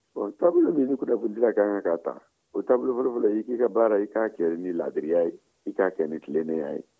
bon taabolo min kunnafonidila ka kan ka ta o taabolo fɔlɔfɔlɔ ye i k'i ka baara kɛ ni laadiriya ye i k'a kɛ ni tilennenya ye